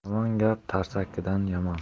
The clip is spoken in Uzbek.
yomon gap tarsakidan yomon